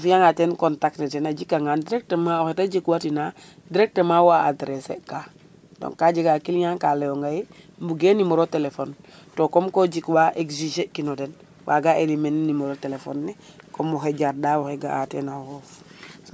o fiya nga ten contacler ten a jika ngan directement o xe te jik wa tina directement wo a adresser ka donc ka jega client ka leyo nga ye mbuge numéro télephone to comme ko jik wa exiger kino den waga eliminer numero telephone ne comme waxay jarnda waxay ga a teen a xoxof